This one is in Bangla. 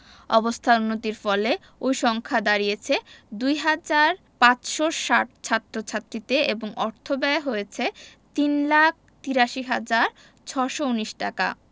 অবস্থার উন্নতির ফলে ওই সংখ্যা দাঁড়িয়েছে ২ হাজার ৫৬০ ছাত্রছাত্রীতে এবং অর্থব্যয় হয়েছে ৩ লাক ৮৩ হাজার ৬১৯ টাকা